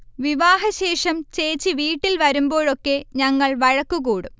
വിവാഹശേഷം ചേച്ചി വീട്ടിൽ വരുമ്ബോഴൊക്കെ ഞങ്ങൾ വഴക്കുകൂടും